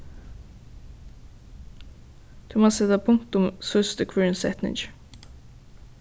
tú mást seta punktum síðst í hvørjum setningi